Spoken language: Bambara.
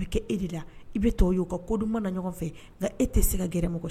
Nka a bɛ kɛ e de la i bɛ tɔw ye u ka koduman na ɲɔgɔn fɛ e tɛ se ka gɛrɛ